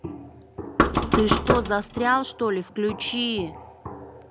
ты что застрял что ли включи